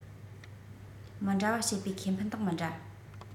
མི འདྲ བ བྱེད པོའི ཁེ ཕན དང མི འདྲ